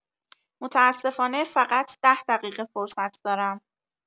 متاسفانه، فقط ده دقیقه فرصت دارم.